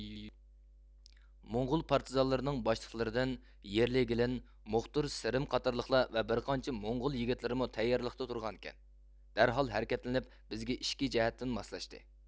موڭغۇل پارتىزانلىرىنىڭ باشلىقلىرىدىن يىرلېگىلېن موقدۇر سىرىم قاتالىقلار ۋە بىرقانچە موڭغۇل يىگىتلىرىمۇ تەييارلىقتا تۇرغان ئىكەن دەرھال ھەرىكەتلىنىپ بىزگە ئىچكى جەھەتتىن ماسلاشتى